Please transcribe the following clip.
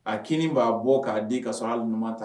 A k b'a bɔ k'a di ka sɔrɔ a ali ɲumanuman ta